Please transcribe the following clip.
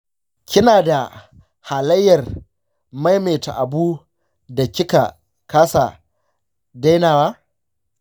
kina da halayyar maimaita abu da ki ka kasa dai na wa ?